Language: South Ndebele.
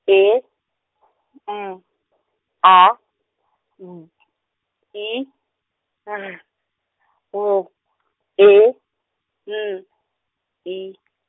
E , M, A, B , I, Z, W, E, N, I .